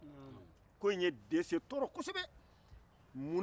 ko in ye dɛsɛ tɔɔrɔ kɔsɛbɛ